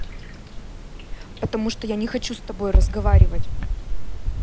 потому что я не хочу с тобой разговаривать